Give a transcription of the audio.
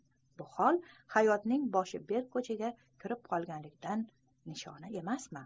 bu hol hayotning boshi berk ko'chaga kirib qolganligidan nishona emasmi